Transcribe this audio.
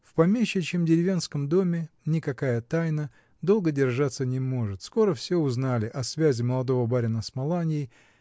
В помещичьем деревенском доме никакая тайна долго держаться не может: скоро все узнали о связи молодого барина с Маланьей